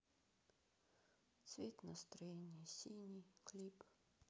цвет настроения синий клип